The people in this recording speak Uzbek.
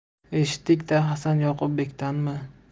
eshitdik da hasan yoqubbekdanmi